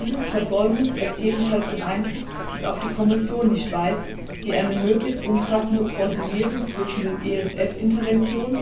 Dieses Versäumnis weckt jedenfalls den Eindruck, dass auch die Kommission nicht weiß, wie eine möglichst umfassende Koordinierung zwischen den ESF-Interventionen,